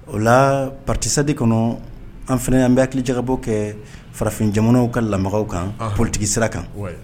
O la patisa de kɔnɔ an fana an bɛ hakilijakabɔ kɛ farafin jamanaw ka la kan ptigi sira kan